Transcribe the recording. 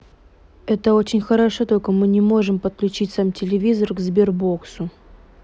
это очень хорошо только мы не можем подключить сам телевизор к сбербоксу